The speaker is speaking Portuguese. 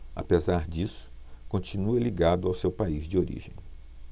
apesar disso continua ligado ao seu país de origem